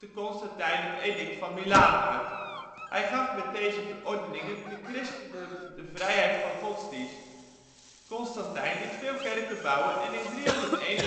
Constantijn het edict van Milaan uit. Hij gaf met deze verordening de christenen vrijheid van godsdienst. Constantijn liet veel kerken bouwen en in 321